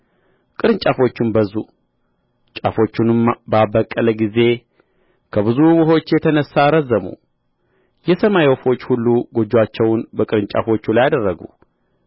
ቅርንጫፎቹም በዙ ጫፎቹንም ባበቀለ ጊዜ ከብዙ ውኆች የተነሣ ረዘሙ የሰማይ ወፎች ሁሉ ጎጆቻቸውን በቅርንጫፎቹ ላይ አደረጉ